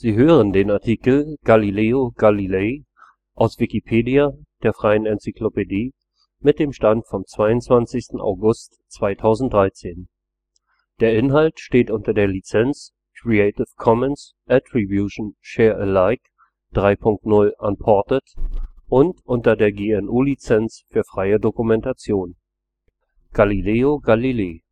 hören den Artikel Galileo Galilei, aus Wikipedia, der freien Enzyklopädie. Mit dem Stand vom Der Inhalt steht unter der Lizenz Creative Commons Attribution Share Alike 3 Punkt 0 Unported und unter der GNU Lizenz für freie Dokumentation. Galileo Galilei – Porträt von Justus Sustermans, 1636 Galileis Unterschrift Briefmarke, Sowjetunion 1964 Galileo Galilei